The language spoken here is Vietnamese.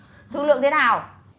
thương lượng thế nào